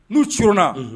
N'u coronna unhun